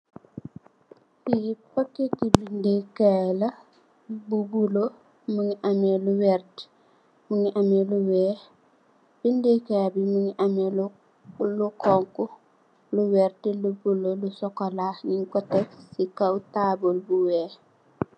Fi pakèt bindèkaay bu bulo mungi ameh lu vert, mungi ameh lu weeh. Bindèkaay bi mungi ameh lu honku, lu vert, lu bulo, lu sokola nung ko def ci kaw taabul bu weeh.